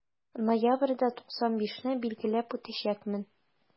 Ноябрьдә 95 не билгеләп үтәчәкмен.